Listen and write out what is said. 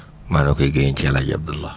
maa ngi la koy giiñal ci El Hadj Abdalah